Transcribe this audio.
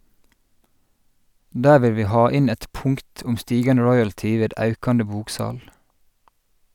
Der vil vi ha inn eit punkt om stigande royalty ved aukande boksal.